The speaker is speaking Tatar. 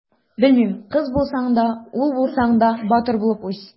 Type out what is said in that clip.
Белмим: кыз булсаң да, ул булсаң да, батыр булып үс!